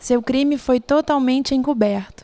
seu crime foi totalmente encoberto